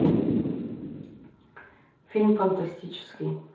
фильм фантастический